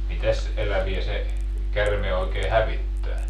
mitäs eläviä se käärme oikein hävittää